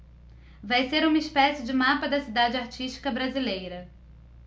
vai ser uma espécie de mapa da cidade artística brasileira